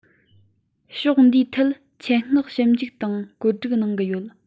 ཕྱོགས འདིའི ཐད ཆེད མངགས ཞིབ འཇུག དང བཀོད སྒྲིག གནང གི ཡོད